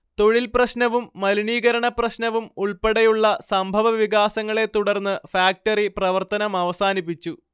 തൊഴിൽ പ്രശ്നവും മലിനീകരണപ്രശ്നവും ഉൾപ്പെടെയുള്ള സംഭവവികാസങ്ങളെത്തുടർന്ന് ഫാക്ടറി പ്രവർത്തനമവസാനിപ്പിച്ചു